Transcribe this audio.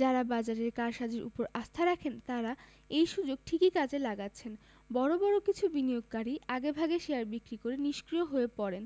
যাঁরা বাজারের কারসাজির ওপর আস্থা রাখেন তাঁরা এই সুযোগ ঠিকই কাজে লাগাচ্ছেন বড় বড় কিছু বিনিয়োগকারী আগেভাগে শেয়ার বিক্রি করে নিষ্ক্রিয় হয়ে পড়েন